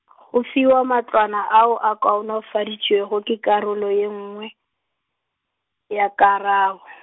go fiwa matlwana ao a kaonafaditšwego ke karolo ye nngwe, ya karabo.